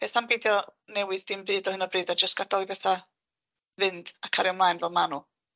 Beth am beidio newydd dim byd ar hyn o bryd a jyst gadal i betha fynd a cario mlaen fel ma' n'w?